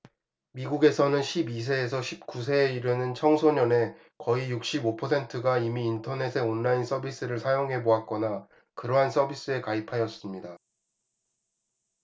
미국에서는 십 이 세에서 십 구 세에 이르는 청소년의 거의 육십 오 퍼센트가 이미 인터넷의 온라인 서비스를 사용해 보았거나 그러한 서비스에 가입하였습니다